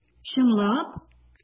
Чынлап!